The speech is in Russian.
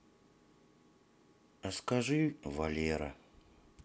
а скажи валера